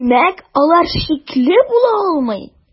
Димәк, алар шикле була алмый.